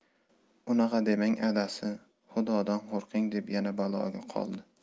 unaqa demang adasi xudodan qo'rqing deb yana baloga qoldi